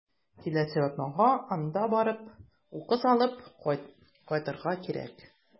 Киләсе атнада анда барып, указ алып кайтырга кирәк.